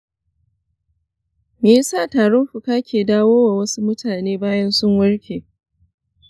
me yasa tarin fuka ke dawowa wasu mutane bayan sun warke?